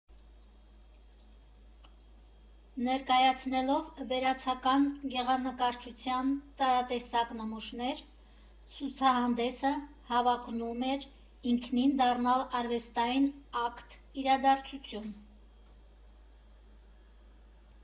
Ներկայացնելով վերացական գեղանկարչության տարատեսակ նմուշներ, ցուցահանդեսը հավակնում էր ինքնին դառնալ արվեստային ակտ֊իրադարձություն։